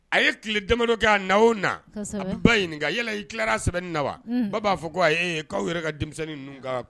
A ye tile damadɔ kɛ na o na, kosɛbɛ, a ba ɲinika yala i tilara a sɛbɛn na wa? unhun, ba b'a fɔ ko e ayi ko aw yɛrɛ ka denmisɛnnin ninnu ka